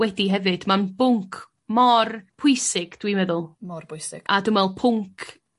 wedi hefyd ma'n bwnc mor pwysig dwi'n meddwl... Mor bwysig. ...a dwi me'wl pwnc